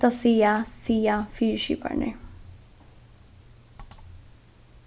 hetta siga siga fyriskipararnir